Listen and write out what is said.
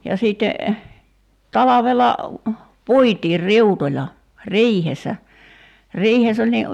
ja sitten talvella puitiin riutoilla riihessä riihessä oli niin